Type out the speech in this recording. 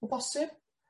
O bosib?